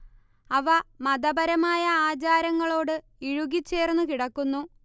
അവ മതപരമായ ആചാരങ്ങളോട് ഇഴുകിച്ചേർന്നു കിടക്കുന്നു